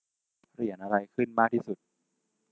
เหรียญอะไรขึ้นมากที่สุด